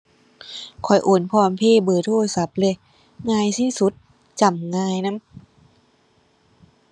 ข้อยโอน PromptPay เบอร์โทรศัพท์เลย ง่ายที่สุด จำง่ายนำ